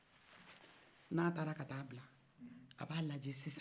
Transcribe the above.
n'a tara ka bila a b'a lajɛ sisan